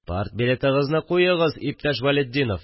– партбилетыгызны куегыз, иптәш вәлетдинов